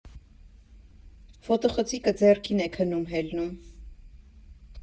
Ֆոտոխցիկը ձեռքին է քնում֊հելնում։